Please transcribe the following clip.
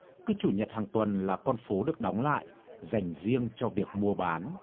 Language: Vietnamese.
cứ chủ nhật hàng tuần là con phố được đóng lại dành riêng cho việc mua bán